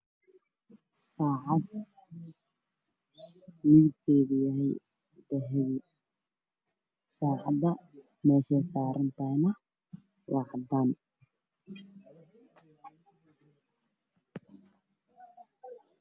Saacad midabkeedu yahay dahabi saacada meeshay saarantahana waa cadaan